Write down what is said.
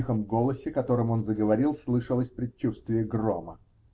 в тихом голосе, которым он заговорил, слышалось предчувствие грома.